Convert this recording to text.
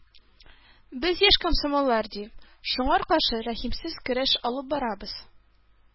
Без, яшь комсомоллар, ди, шуңар каршы рәхимсез көрәш алып барабыз.